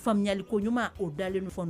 Faamuyali ko ɲuman o dalen de fɔ